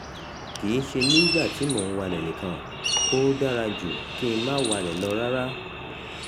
Kì í ṣe nígbà tí mò ń walẹ̀ nìkan, ó dára jù kí n máa walẹ̀ lọ, rárá.